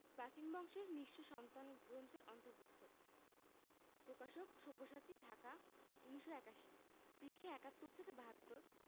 প্রাচীন বংশের নিঃস্ব সন্তান গ্রন্থের অন্তর্ভুক্ত প্রকাশকঃ সব্যসাচী ঢাকা ১৯৮১ পৃষ্ঠাঃ ৭১ থেকে ৭২